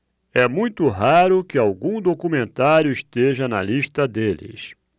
é muito raro que algum documentário esteja na lista deles